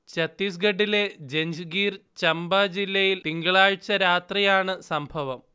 ചത്തീസ്ഗഢിലെ ജഞ്ച്ഗിർ ചമ്പ ജില്ലയിൽ തിങ്കളാഴ്ച്ച രാത്രിയാണ് സംഭവം